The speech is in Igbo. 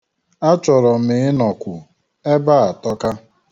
Achọrọ m ịnọkwu, ebe a atọka.